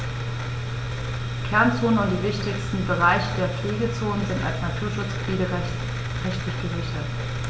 Kernzonen und die wichtigsten Bereiche der Pflegezone sind als Naturschutzgebiete rechtlich gesichert.